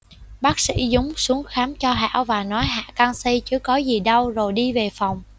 bác sĩ dúng xuống khám cho hảo và nói hạ canxi chứ có gì đâu rồi đi về phòng